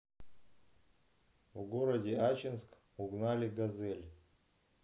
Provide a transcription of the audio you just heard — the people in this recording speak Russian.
в городе ачинск угнали газель